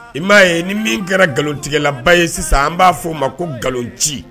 I m' ye ni min kɛra nkalontigɛlaba ye sisan an b'a f'o ma ko nkalonci